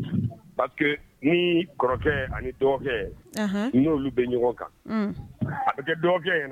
Pa ni kɔrɔkɛ dɔgɔ n'olu bɛ ɲɔgɔn kan a bɛ kɛ dɔgɔ